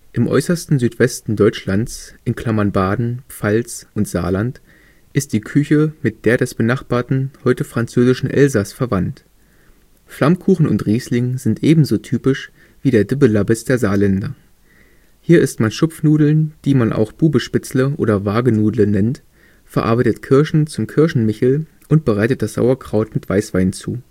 Im äußersten Südwesten Deutschlands (Baden, Pfalz, Saarland) ist die Küche mit der des benachbarten heute französischen Elsass verwandt. Flammkuchen und Riesling sind ebenso typisch wie der Dibbelabbes der Saarländer. Hier isst man Schupfnudeln, die man auch „ Bubespitzle “oder „ Wargenudle “nennt, verarbeitet Kirschen zum Kirschenmichel und bereitet das Sauerkraut mit Weißwein zu